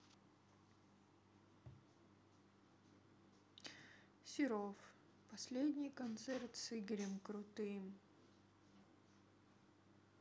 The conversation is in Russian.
серов последний концерт с игорем крутым